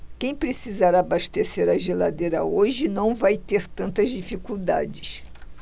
quem precisar abastecer a geladeira hoje não vai ter tantas dificuldades